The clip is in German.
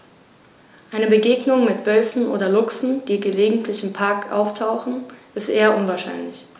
Eine Begegnung mit Wölfen oder Luchsen, die gelegentlich im Park auftauchen, ist eher unwahrscheinlich.